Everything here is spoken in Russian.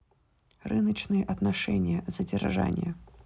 рыночные отношения задержание